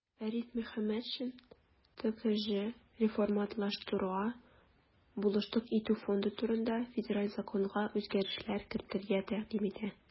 Фәрит Мөхәммәтшин "ТКҖ реформалаштыруга булышлык итү фонды турында" Федераль законга үзгәрешләр кертергә тәкъдим итә.